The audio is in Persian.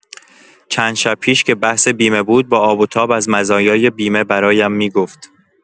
چند شب پیش که بحث بیمه بود با آب‌وتاب از مزایای بیمه برایم می‌گفت.